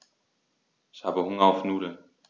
Ich habe Hunger auf Nudeln.